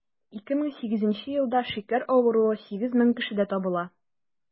2008 елда шикәр авыруы 8 мең кешедә табыла.